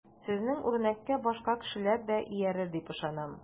Сезнең үрнәккә башка кешеләр дә иярер дип ышанам.